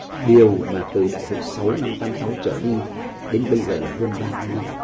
điều mà từ đại hội sáu năm tám sáu trở đi đến bây giờ là hơn ba mươi năm